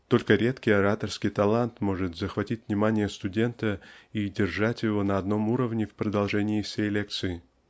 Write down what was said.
Только редкий ораторский талант может захватить внимание студента и держать его на одном уровне в продолжение всей лекции.